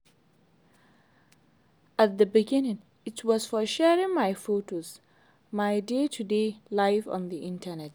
At the beginning, it was for sharing my photos, my day-to-day life on the internet.